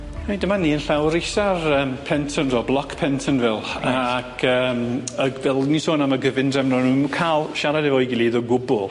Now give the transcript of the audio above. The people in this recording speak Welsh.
Reit dyma ni yn llawr isa'r yym Pentonville block Pentonville ac yym ag fel o'n i'n sôn am y gyfundrefn o'n nw'm yn ca'l siarad efo'i gilydd o gwbwl.